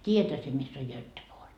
tiedäthän sinä missä on Göteborg